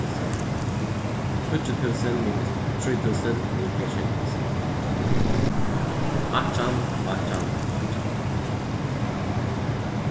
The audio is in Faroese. túsund tíggju túsund minus trý túsund ligvið sjey túsund átjan átjan átjan